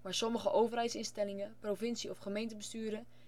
sommige overheidsinstellingen (provincie - of gemeentebesturen